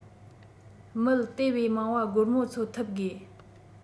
མི དེ བས མང བ སྒོར མོ འཚོལ ཐུབ དགོས